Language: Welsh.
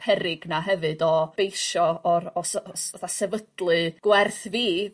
peryg 'na hefyd o beisio o'r o s- o s- efo sefydlu gwerth fi